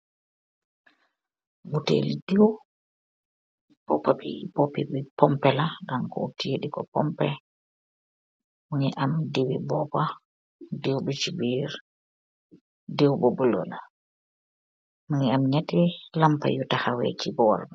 Butehli deww bu bopuu bi pombeh la dino tiyeh di nko pompeh, mugeih am dewwi bopaa, deww bi ce birr deww bu bulo la mugeih am nyehtti lampa yu tahaweh ce boram.